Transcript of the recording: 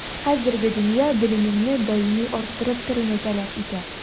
Хәзерге дөнья белемеңне даими арттырып торуны таләп итә.